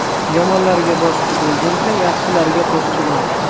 yomonlarga boshchi bo'lguncha yaxshilarga qo'shchi bo'l